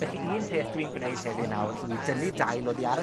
Felly, un peth dwi'n gwneud heddi nawr yw i dynnu dail oddi ar y